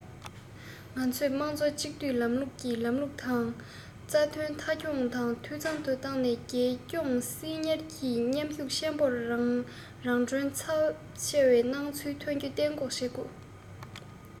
ང ཚོས དམངས གཙོ གཅིག སྡུད ལམ ལུགས ཀྱི ལམ ལུགས དང རྩ དོན མཐའ འཁྱོངས དང འཐུས ཚང དུ བཏང ནས རྒྱལ སྐྱོང སྲིད གཉེར གྱི མཉམ ཤུགས ཆེན པོ རང གྲོན ཚབས ཆེ བའི སྣང ཚུལ ཐོན རྒྱུ གཏན འགོག བྱེད དགོས